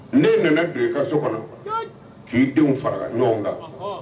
Ne nana don i ka so kɔnɔ, eyii, k'i denw fara ɲɔgɔn kan, anhan.